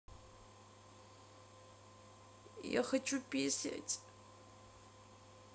я хочу писять